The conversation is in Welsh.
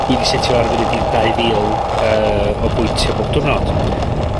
Dwi 'di setio ar y funud i dau fil yy o bwyntia' bob diwrnod.